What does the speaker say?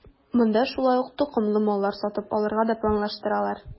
Монда шулай ук токымлы маллар сатып алырга да планлаштыралар.